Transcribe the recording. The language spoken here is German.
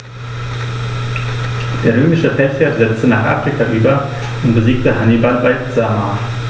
Der römische Feldherr setzte nach Afrika über und besiegte Hannibal bei Zama.